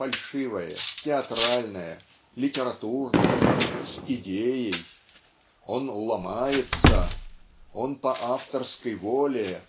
фальшивое, театральное, литературное, с идеей он ломается он по авторской воле